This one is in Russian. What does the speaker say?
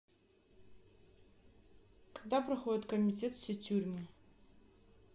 когда проходят комитет все тюрьмы